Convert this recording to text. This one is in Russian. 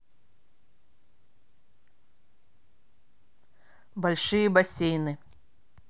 большие бассейны